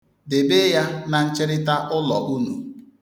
Debe ya na ncherịta ụlọ unu.